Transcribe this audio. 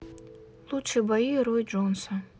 лучшие бои рой джонса